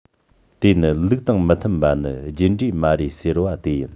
དེ ནི ལུགས དང མི མཐུན པ ནི རྒྱུད འདྲེས མ རེད ཟེར པ དེ ཡིན